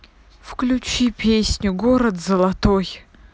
включи песню город золотой